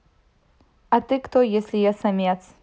а ты кто если я самец